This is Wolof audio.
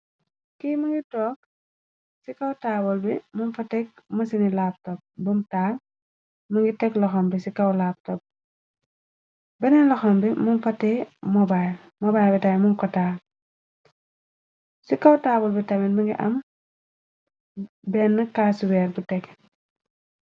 Kii mingi toog, ci kaw taabal bi mum fatek masini laptop bom taal, mu ngi teg loxom bi ci kaw laptop bi, benneen loxom bi mung fa tiye mobayil, mobayil bi tamin mun ko taal, ci kaw taabal bi tamin mi ngi am benne kaasu weer bu teg.